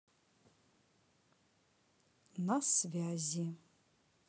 на связи